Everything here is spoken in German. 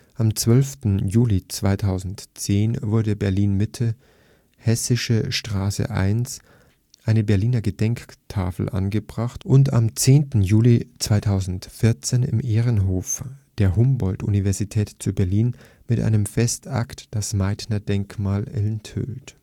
Am 12. Juli 2010 wurde in Berlin-Mitte, Hessische Straße 1, eine Berliner Gedenktafel angebracht und am 10. Juli 2014 im Ehrenhof der Humboldt-Universität zu Berlin mit einem Festakt das Meitner-Denkmal enthüllt